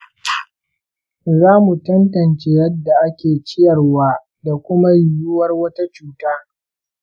za mu tantance yadda ake ciyarwa da kuma yiwuwar wata cuta.